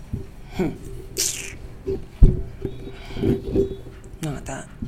Ka taa